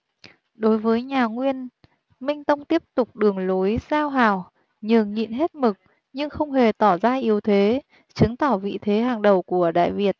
đối với nhà nguyên minh tông tiếp tục đường lối giao hảo nhường nhịn hết mực nhưng không hề tỏ ra yếu thế chứng tỏ vị thế hàng đầu của đại việt